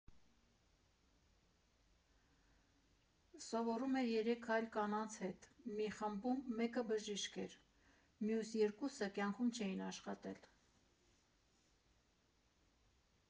Սովորում էր երեք այլ կանանց հետ մի խմբում՝ մեկը բժիշկ էր, մյուս երկուսը կյանքում չէին աշխատել։